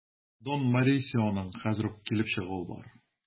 Дон Морисионың хәзер үк килеп чыгуы бар.